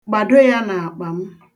Gbado ya n'akpa m.